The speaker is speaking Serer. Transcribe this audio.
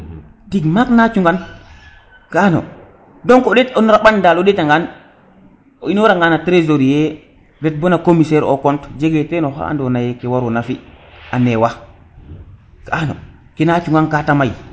tig maak na cungan ga ano donc o ndeet no ramban dal o ndeta ngan o inoranga no tresorier ret bona commissaire au compte jege ten oxa ando naye ke warona fi a newa ga ano kena cungaŋ kate may